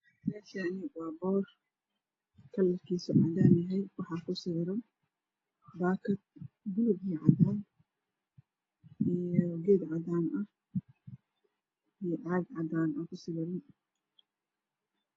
Meshani waa boor kalarkiisu cadaan yahay waxaa ku sawiran baakad balug iyo cadaan iyo geed cadaan ah iyo caag cadaan aaku sawiran